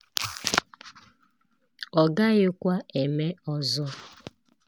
Ọ gaghịkwa eme ọzọ'